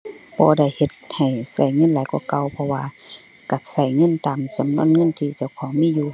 บ่ได้เฮ็ดให้ใช้เงินหลายกว่าเก่า เพราะว่าใช้ใช้เงินตามจำนวนเงินที่เจ้าของมีอยู่